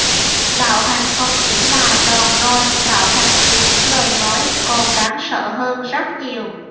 bạo hành không chỉ là đòn roi bạo hành từ những lời nói còn đáng sợ hơn rất nhiều